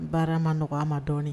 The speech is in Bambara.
Baarama ma nɔgɔ an ma dɔɔnin!